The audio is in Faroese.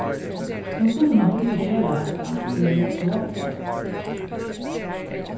hon skuldi nokk ikki gera hatta fyrr enn í oktobur